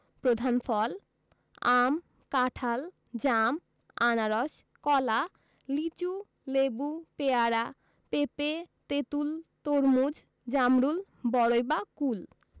প্রধান ফলঃ আম কাঁঠাল জাম আনারস কলা লিচু লেবু পেয়ারা পেঁপে তেঁতুল তরমুজ জামরুল বরই বা কুল